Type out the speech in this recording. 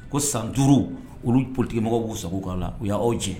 Ko san duuru olu politigimɔgɔ b'u sago'a la u y'aaw jɛ